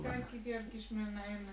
kaikki kerkisi mennä ennen